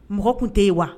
Mɔgɔ tun tɛ yen wa